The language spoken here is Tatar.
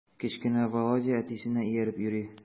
Кечкенә Володя әтисенә ияреп йөри.